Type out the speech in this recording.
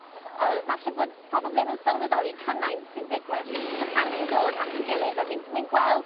o- falle bod pobol ddim yn sylweddoli cymaint sy'n digwydd so pan ni'n dod at ein gilydd a fi'n fi'n gweld